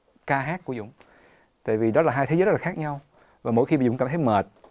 ca hát của dũng tại vì đó là hai thế giới rất là khác nhau và mỗi khi dũng cảm thấy mệt